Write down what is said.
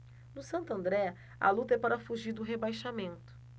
no santo andré a luta é para fugir do rebaixamento